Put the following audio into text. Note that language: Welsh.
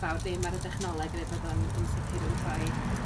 fawr ddim ar y dechnoleg ne' bod o'n yn sicr yn rhoi